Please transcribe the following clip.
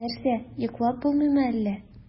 Нәрсә, йоклап булмыймы әллә?